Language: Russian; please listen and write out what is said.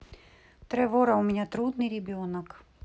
тревора у меня трудный ребенок